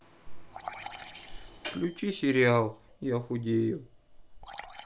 включи сериал я худею